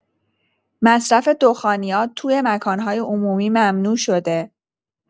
مصرف دخانیات توی مکان‌های عمومی ممنوع شده.